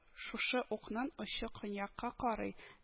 Шушы укның очы көнъякка карый